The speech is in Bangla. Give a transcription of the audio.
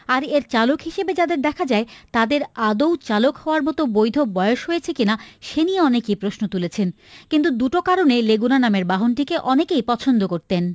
আর এর চালক হিসেবে যাদের দেখা যায় তাদের আদৌ চালক হওয়ার মতো বৈধ বয়স হয়েছে কি না সে নিয়েও অনেকে প্রশ্ন তুলেছেন কিন্তু দুটো কারণেই লেগুনা নামের অনেকেই পছন্দ করতেন